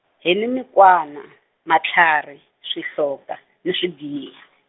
hi ni mikwana, matlhari, swihloka, ni swigiya.